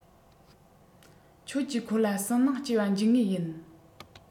ཁྱོད ཀྱིས ཁོ ལ སུན སྣང སྐྱེས པ འཇུག ངེས ཡིན